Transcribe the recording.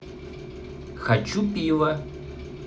хочу пиво